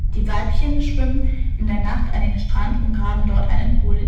Die Weibchen schwimmen in der Nacht an den Strand und graben dort eine Kuhle in